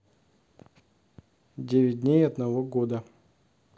девять дней одного года